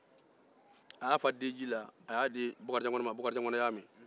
a y'a fa diji la k'a di bakarijan ma bakarija y'a min